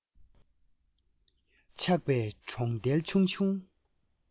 ཆགས པའི གྲོང བརྡལ ཆུང ཆུང